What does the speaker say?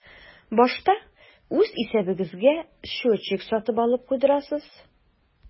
Башта үз исәбегезгә счетчик сатып алып куйдырасыз.